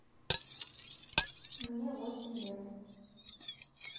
мне восемь лет